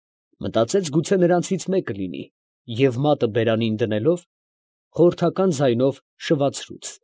Մտածեց, գուցե նրանցից մեկը լինի և մատը բերանին դնելով, խորհրդական ձայնով շվացրուց։